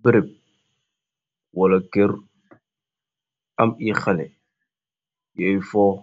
Berëb wala kerr am ey xale yooy foox.